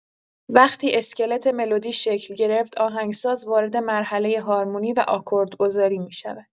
وقتی اسکلت ملودی شکل گرفت، آهنگساز وارد مرحله هارمونی و آکوردگذاری می‌شود.